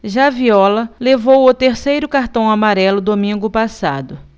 já viola levou o terceiro cartão amarelo domingo passado